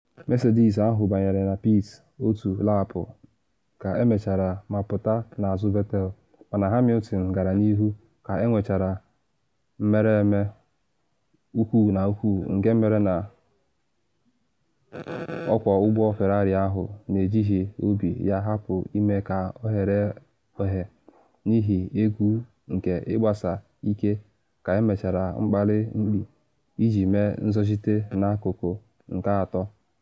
Mercedes ahụ banyere na pit otu lapụ ka emechara ma pụta n’azụ Vettel, mana Hamilton gara n’ihu ka enwechara mmereme ụkwụ-na-ụkwụ nke mere na ọkwọ ụgbọ Ferrari ahụ n’ejighi obi ya hapụ ime ka o ghere oghe n’ihi egwu nke ịgbasi ike ka emechara mkpali-mkpị iji mee nzọchite n’akụkụ nke atọ.